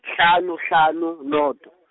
hlano hlano, noto.